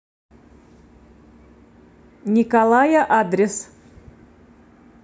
николая адрес